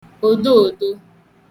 òdoòdo